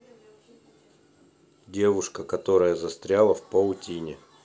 девушка которая застряла в паутине